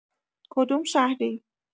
کدوم شهری؟